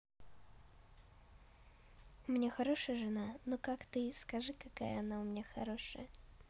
у меня хорошая жена ну как ты скажи какая она у меня хорошая